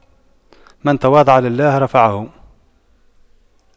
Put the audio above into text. من تواضع لله رفعه